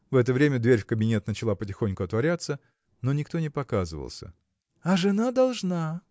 В это время дверь в кабинет начала потихоньку отворяться но никто не показывался. – А жена должна